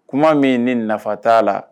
Kuma min ni nafa t'a la